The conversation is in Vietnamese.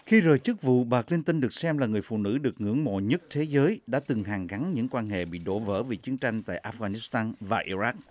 khi rời chức vụ bà cờ lin tơn được xem là người phụ nữ được ngưỡng mộ nhất thế giới đã từng hàn gắn những quan hệ bị đổ vỡ vì chiến tranh tại áp ga nít tăng và i ran